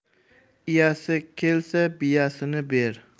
iyasi kelsa biyasini ber